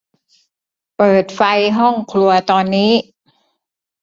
เปิดไฟห้องครัวตอนนี้